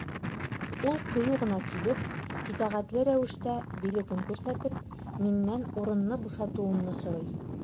Ул кыю гына килеп, итәгатьле рәвештә билетын күрсәтеп, миннән урынны бушатуымны сорый.